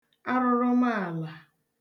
arụrụmaàlà